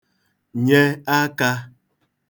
nye akā